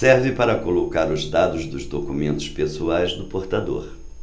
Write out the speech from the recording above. serve para colocar os dados dos documentos pessoais do portador